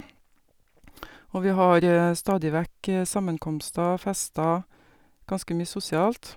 Og vi har stadig vekk sammenkomster, fester, ganske mye sosialt.